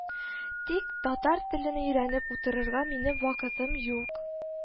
Тик татар телен өйрәнеп утырырга минем вакытым юк